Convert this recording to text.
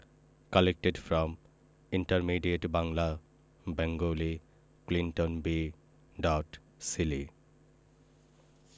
collected from intermediate Bangla Bengali Clinton B dot Seely